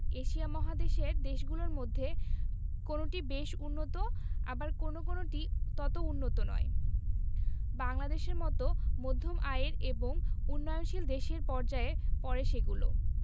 Asia মহাদেশের দেশগুলোর মধ্যে কোনটি বেশ উন্নত আবার কোনো কোনোটি তত উন্নত নয় বাংলাদেশের মতো মধ্যম আয়ের এবং উন্নয়নশীল দেশের পর্যায়ে পড়ে সেগুলো